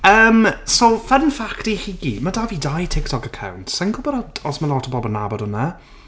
Yym so fun fact i chi gyd mae 'da fi dau TikTok account. Sa i'n gwbod o- os 'ma lot o bobl yn nabod hwnna.